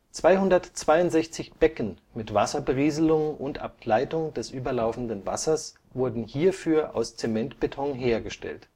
262 Becken mit Wasserberieselung und Ableitung des überlaufenden Wassers wurden hierfür aus Zementbeton hergestellt